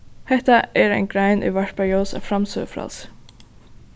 hetta er ein grein ið varpar ljós á framsøgufrælsi